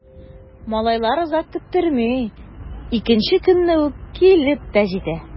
Малайлар озак көттерми— икенче көнне үк килеп тә җитә.